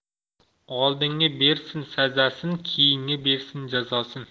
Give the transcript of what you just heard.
oldingi bersin sazasin keyingi bersin jazosin